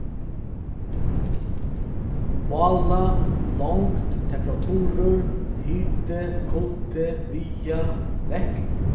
mála longd temperaturur hiti kuldi viga vekt